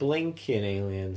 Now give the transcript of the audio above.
Blinking Aliens.